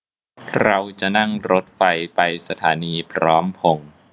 เราจะนั่งรถไฟไปสถานีพร้อมพงษ์